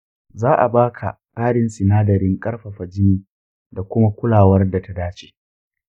za a ba ka ƙarin sinadarin ƙarfafa jini da kuma kulawar da ta dace.